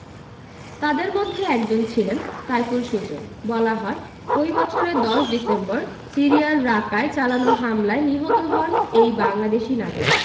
তাঁদের মধ্যে একজন ছিলেন সাইফুল সুজন বলা হয় ওই বছরের ১০ ডিসেম্বর সিরিয়ার রাকায় চালানো হামলায় নিহত হন এই বাংলাদেশি নাগরিক